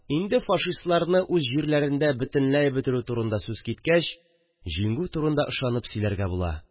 Инде фашистларны үз җирләрендә бөтенләй бетерү турында сүз киткәч, җиңү турында ышанып сөйләргә була